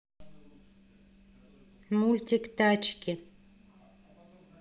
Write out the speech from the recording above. мультик тачки